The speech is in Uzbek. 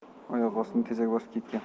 oyoq ostini tezak bosib ketgan